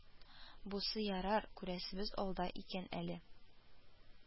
Бусы ярар, күрәсебез алда икән әле